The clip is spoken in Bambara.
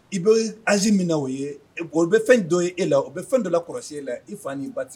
I bɛo anz minɛ na o ye o bɛ fɛn dɔ ye e la o bɛ fɛn dɔ la kɔlɔsi e la i fa nin ba tigɛ